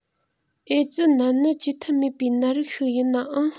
ཨེ ཙི ནད ནི བཅོས ཐབས མེད པའི ནད རིགས ཤིག ཡིན ནའང